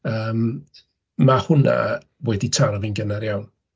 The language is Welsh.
Yym, ma' hwnna wedi taro fi'n gynnar iawn.